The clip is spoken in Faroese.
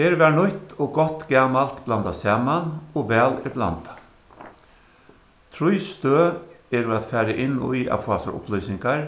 her var nýtt og gott gamalt blandað saman og væl er blandað trý støð eru at fara inn í at fáa sær upplýsingar